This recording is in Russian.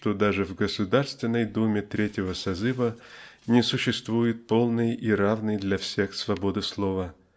что даже в Государственной Думе третьего созыва не существует полной и равной для всех свободы слова